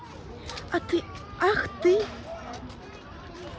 а ты ах ты